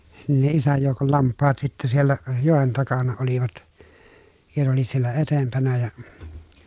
niin ne isän joukon lampaat sitten siellä joen takana olivat ja ne oli siellä edempänä ja -